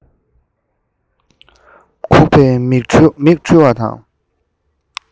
འགུག མཁན གྱི མིག འཕྲུལ བ དང